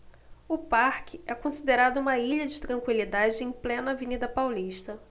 o parque é considerado uma ilha de tranquilidade em plena avenida paulista